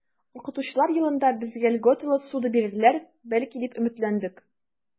Укытучылар елында безгә льготалы ссуда бирерләр, бәлки, дип өметләндек.